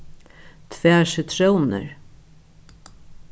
tvær sitrónir